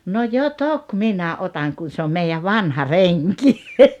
no jo toki minä otan kun se on meidän vanha renki